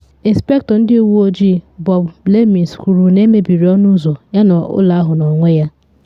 Ịnspektọ Ndị Uwe Ojii Bob Blemmings kwuru na emebiri ọnụ ụzọ yana ụlọ ahụ n’onwe ya.